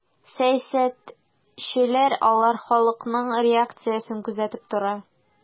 Сәясәтчеләр алар халыкның реакциясен күзәтеп тора.